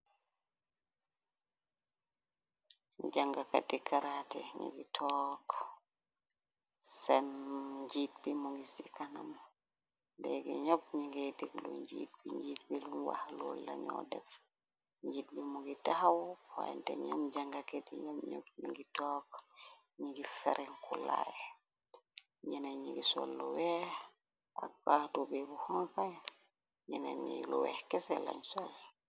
Jangakati karaati ñingi took seen njiit bi mu ngi ci kanam bée gi ñopp ñingay tiglu njiit bi njiit bi lu waxalol lañoo def njiit bi mu ngi taxaw waynte ñoom jangakat yi ñop ñopp ningi took ñi ngi ferenkulaay ñëna ñi ngi sol lu weex ak kaatube bu honpan ñëna ñi lu weex kese lañ sol.